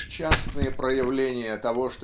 лишь частные проявления того